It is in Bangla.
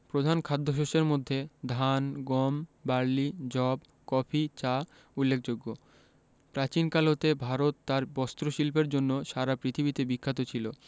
প্রধান খাদ্যশস্যের মধ্যে ধান গম বার্লি যব কফি চা উল্লেখযোগ্য প্রাচীনকাল হতে ভারত তার বস্ত্রশিল্পের জন্য সারা পৃথিবীতে বিখ্যাত ছিল